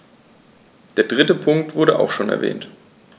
Der dritte Punkt wurde auch schon erwähnt.